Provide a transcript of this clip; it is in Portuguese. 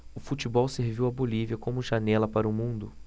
o futebol serviu à bolívia como janela para o mundo